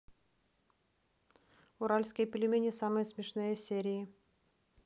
уральские пельмени самые смешные серии